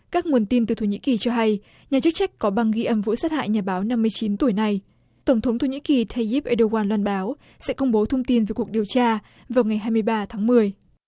các nguồn tin từ thổ nhĩ kỳ cho hay nhà chức trách có băng ghi âm vụ sát hại nhà báo năm mươi chín tuổi này tổng thống thổ nhĩ kỳ tay íp ê đu goăn loan báo sẽ công bố thông tin về cuộc điều tra vào ngày hai mươi ba tháng mười